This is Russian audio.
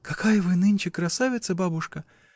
— Какая вы нынче красавица, бабушка!